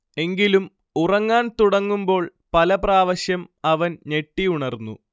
എങ്കിലും ഉറങ്ങാൻ തുടങ്ങുമ്പോൾ പല പ്രാവശ്യം അവൻ ഞെട്ടി ഉണർന്നു